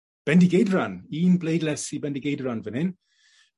Bendigeidfran. Un bleidles i Bendigeidfran fan 'yn.